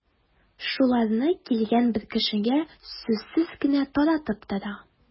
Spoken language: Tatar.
Шуларны килгән бер кешегә сүзсез генә таратып тора.